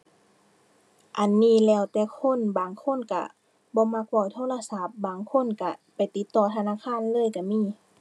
อันนี้แล้วแต่คน บางคนก็บ่มักเว้าโทรศัพท์ บางคนก็ไปติดต่อธนาคารเลยก็มี